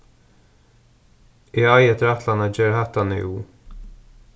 eg eigi eftir ætlan at gera hatta nú